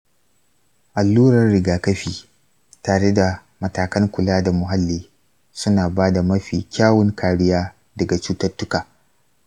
allurar rigakafi tare da matakan kula da muhalli suna ba da mafi kyawun kariya daga cututtuka.